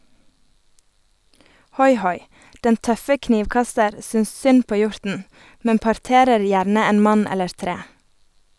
Hoi-hoi, den tøffe knivkaster synes synd på hjorten, men parterer gjerne en mann eller tre.